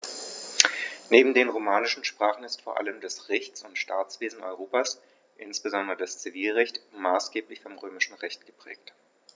Neben den romanischen Sprachen ist vor allem das Rechts- und Staatswesen Europas, insbesondere das Zivilrecht, maßgeblich vom Römischen Recht geprägt.